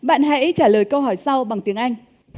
bạn hãy trả lời câu hỏi sau bằng tiếng anh